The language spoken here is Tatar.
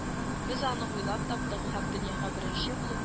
Без аны уйлап таптык һәм дөньяга беренче булып